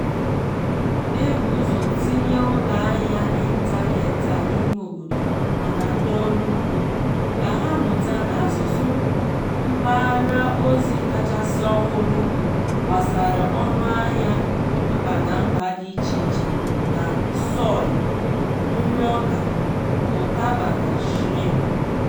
Ebu ụzọ tinye ụlọahịa ịntaneetị a n'imeobodo maka ndị ọrụugbo ka ha mụta n'asụsụ mpaghara ozi kachasị ọhụrụ gbasara ọnụahịa mba na mba dị icheiche na soy, nriọka, ụtaba na shrịmp.